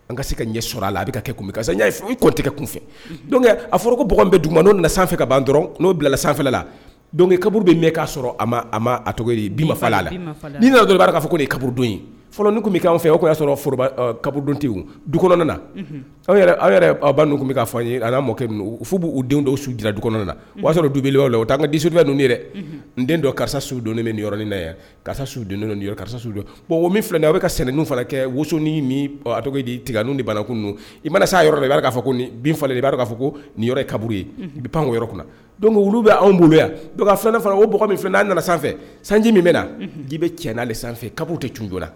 An ka se ka ɲɛ sɔrɔ a la a bɛ kɛtigɛ kun fɛ af bɛ' sanfɛ ka ban dɔrɔn n'o bilala sanfɛ lake kaburu bɛ'a sɔrɔ a a ma a la nana don b'a'a fɔ nin ye kaburudon fɔlɔ bɛ' fɛ o y'a sɔrɔ forooro kabte du na aw yɛrɛ awu'a fɔ ye n'a mɔ b'u denw dɔw sura du kɔnɔ na o y'a sɔrɔ du yɔrɔ la o taa ka di suruda ninnu dɛ n den don karisa sudon yɔrɔ karisa su karisa su filɛ aw bɛ ka sɛnɛin fana kɛ wu ni di de bana kunun i mana saya yɔrɔ i'a fɔ bin falen i b'a'a fɔ ko nin yɔrɔ kaburu ye i bɛ pan yɔrɔ don olu bɛ anw boloya don filanan fana o b min fɛn' nana sanfɛ sanji min bɛ na i bɛ ti'ale sanfɛ kab tɛ c jɔ la